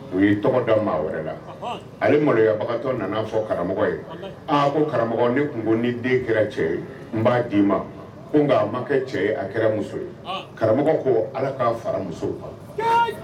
U ye tɔgɔda maa wɛrɛ la ale maloyabaga nana fɔ karamɔgɔ ye ko karamɔgɔ ne tun ko ni den kɛra cɛ ye n b'a d' ma ko nka a makɛ cɛ a kɛra muso ye karamɔgɔ ko ala k'a fara muso